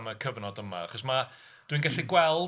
Am y cyfnod yma. Achos mae... dwi'n gallu gweld...